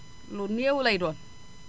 lu néew lay doon